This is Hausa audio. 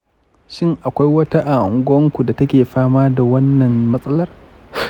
shin akwai wata a unguwanku da take fama da irin wannan matsalar?